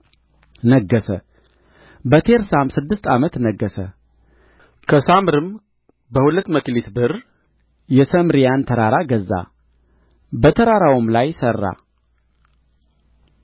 ነገሠ በቴርሳም ስድስት ዓመት ነገሠ ከሳምርም በሁለት መክሊት ብር የሰማርያን ተራራ ገዛ በተራራውም ላይ ሠራ